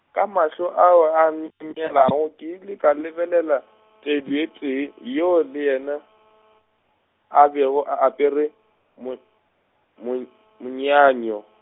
ka mahlo ao a my- , ke ile ka lebelela , Teduetee yoo le yena, a bego a apere, mon-, mon-, monywanyo.